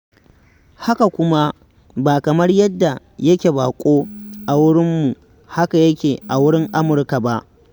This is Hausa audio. Haka kuma, ba kamar yadda yake baƙo a wurinmu haka yake a wurin ɗan Amurka ba.